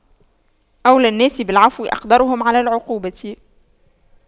أولى الناس بالعفو أقدرهم على العقوبة